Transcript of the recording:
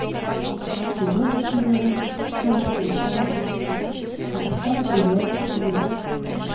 Сугыш чоры, тамаклар ач, Ачтан үлә күршеләр.